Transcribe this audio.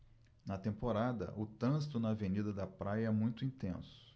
na temporada o trânsito na avenida da praia é muito intenso